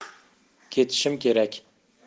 ketishim kerak